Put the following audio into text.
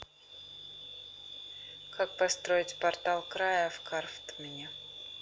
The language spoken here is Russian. как построить портал края в крафтмене